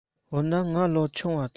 འོ བྱས ན ང ལོ ཆུང བ འདུག